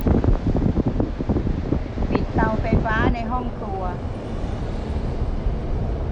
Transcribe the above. ปิดเตาไฟฟ้าในห้องครัว